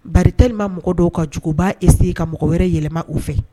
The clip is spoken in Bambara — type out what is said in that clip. Bari tellement mɔgɔ dɔw ka jugu u ba essaye ka mɔgɔ wɛrɛ yɛlɛma u fɛ.